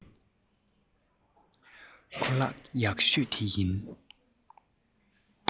ཁོ ལག ཡག ཤོས དེ ཡིན